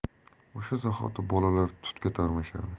o'sha zahoti bolalar tutga tarmashadi